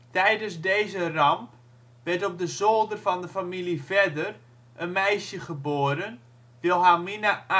Tijdens deze ramp werd op de zolder van de familie Vedder een meisje geboren, Wilhelmina Aartje. Een paar